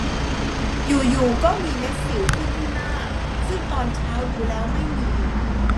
อยู่อยู่ก็มีเม็ดสิวขึ้นที่หน้าซึ่งตอนเช้าดูแล้วไม่มี